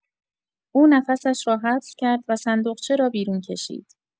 او نفسش را حبس کرد و صندوقچه را بیرون کشید.